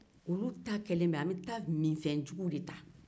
oluw ta kɛlen bɛ an bɛ taga minfɛn juguw de ta